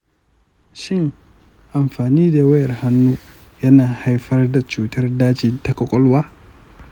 shin amfani da wayar hannu yana haifar da cutar daji ta kwakwalwa?